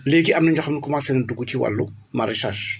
léegi am na ñoo xam ne commencé nañ dugg ci wàllu maraîchage